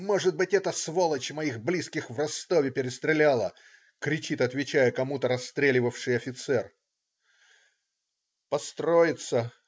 Может быть, эта сволочь моих близких в Ростове перестреляла!" - кричит, отвечая кому-то, расстреливавший офицер. Построиться!